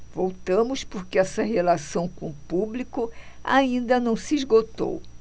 voltamos porque essa relação com o público ainda não se esgotou